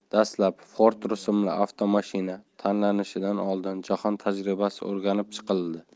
dastlab ford rusumli avtomashina tanlanishidan oldin jahon tajribasi o'rganib chiqildi